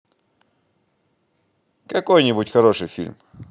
какой нибудь хороший фильм